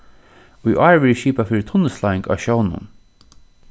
í ár verður skipað fyri tunnusláing á sjónum